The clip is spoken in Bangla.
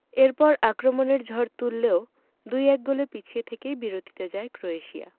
এরপর আক্রমণের ঝড় তুললেও ২ ১ গোলে পিছিয়ে থেকেই বিরতিতে যায় ক্রোয়েশিয়া